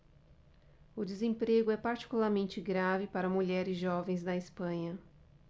o desemprego é particularmente grave para mulheres jovens na espanha